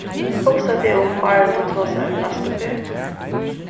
hugsa teg um áðrenn tú tosar næstu ferð